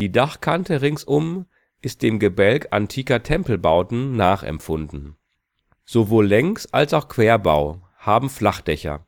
Dachkante ringsum ist dem Gebälk antiker Tempelbauten nachempfunden. Sowohl Längs - als auch Querbau haben Flachdächer